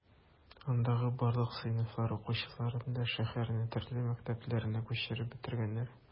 Андагы барлык сыйныфлар укучыларын да шәһәрнең төрле мәктәпләренә күчереп бетергәннәр.